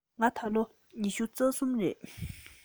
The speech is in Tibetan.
ང ད ལོ ལོ ཉི ཤུ རྩ གསུམ ཡིན